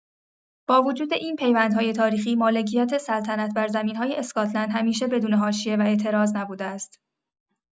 با وجود این پیوندهای تاریخی، مالکیت سلطنت بر زمین‌های اسکاتلند همیشه بدون حاشیه و اعتراض نبوده است.